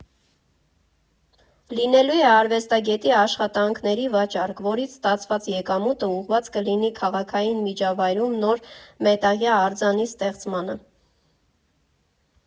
Լինելու է արվեստագետի աշխատանքների վաճառք, որից ստացված եկամուտը ուղված կլինի քաղաքային միջավայրում նոր մետաղյա արձանի ստեղծմանը։